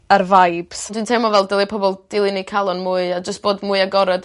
ar vibes. Dwi'n teimlo fel dylie pobol dilyn eu calon mwy a jyst bod mwy agored